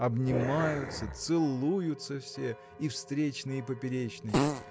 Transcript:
Обнимаются, целуются все, и встречный и поперечный.